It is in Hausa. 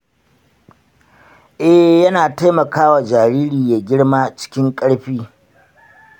eh, yana taimaka wa jariri ya girma cikin ƙarfi.